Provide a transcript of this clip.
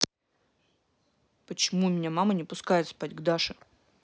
почему у меня мама не пускает ночевать к даше